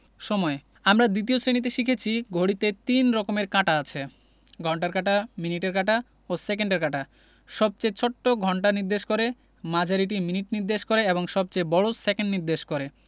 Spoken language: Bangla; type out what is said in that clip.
সময়ঃ আমরা ২য় শ্রেণিতে শিখেছি ঘড়িতে ৩ রকমের কাঁটা আছে ঘণ্টার কাঁটা মিনিটের কাঁটা ও সেকেন্ডের কাঁটা সবচেয়ে ছোট্ট ঘন্টা নির্দেশ করে মাঝারিটি মিনিট নির্দেশ করে এবং সবচেয়ে বড় সেকেন্ড নির্দেশ করে